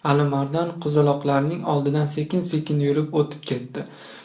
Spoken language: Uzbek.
alimardon qizuloqlarning oldidan sekin sekin yurib o'tib ketdi